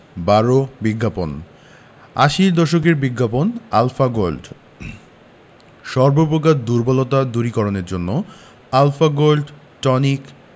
১২ বিজ্ঞাপন আশির দশকের বিজ্ঞাপন আলফা গোল্ড সর্ব প্রকার দুর্বলতা দূরীকরণের জন্য আল্ ফা গোল্ড টনিক